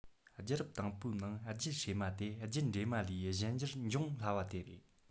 རྒྱུད རབས དང པོའི ནང རྒྱུད བསྲེས མ དེ རྒྱུད འདྲེས མ ལས གཞན འགྱུར འབྱུང སླ བ དེ རེད